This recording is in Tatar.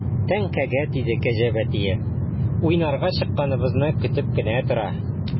Теңкәгә тиде кәҗә бәтие, уйнарга чыкканыбызны көтеп кенә тора.